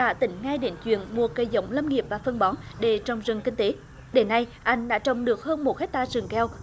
đã tính ngay đến chuyện mua cây giống lâm nghiệp và phân bón để trồng rừng kinh tế đến nay anh đã trồng được hơn một héc ta rừng keo